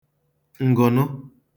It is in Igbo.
ǹgụ̀nụ